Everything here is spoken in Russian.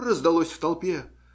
- раздалось в толпе.